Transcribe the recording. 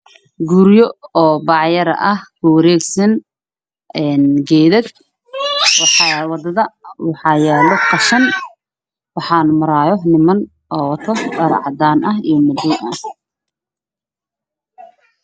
Waa guryo wareegsan waxaa maraayo niman